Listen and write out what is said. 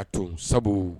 Ka to sabu